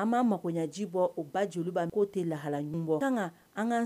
An b' mago ɲɛ ji bɔ o ba joliba k'o tɛ lahalaɲ bɔ